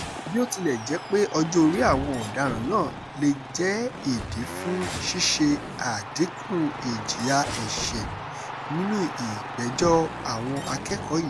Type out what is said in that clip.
Bí ó tilẹ̀ jẹ́ pé ọjọ́-orí àwọn ọ̀daràn náà lè jẹ́ ìdí fún ṣíṣe àdínkù ìjìyà ẹ̀sẹ̀ nínú ìgbẹ́jọ́ àwọn akẹ́kọ̀ọ́ yìí.